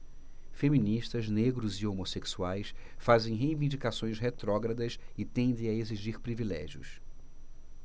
feministas negros e homossexuais fazem reivindicações retrógradas e tendem a exigir privilégios